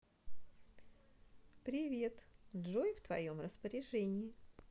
привет джой в твоем распоряжении